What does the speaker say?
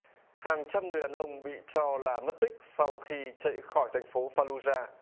hàng trăm người đàn ông bị cho là mất tích sau khi chạy khỏi thành phố pha lu da